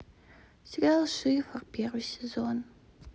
сериал шифр первый сезон